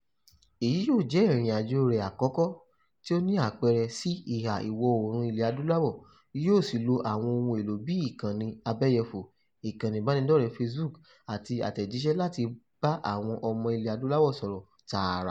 Èyí yóò jẹ́ ìrìn-àjò rẹ̀ àkọ́kọ́ tí ó ní àpẹẹrẹ sí Ìhà - ìwọ̀-oòrùn Ilẹ̀ Adúláwò yóò sì ló àwọn ohun èlò bíi Ìkànnì Abẹ́yẹfò, ìkànnì ìbánidọ́rẹ̀ẹ́ Facebook àti àtẹ̀jíṣẹ́ láti bá àwọn ọmọ Ilẹ̀ Adúláwò sọ̀rọ̀ tààrà.